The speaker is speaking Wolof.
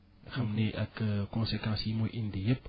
xam ni ak conséquence yi mu indi yépp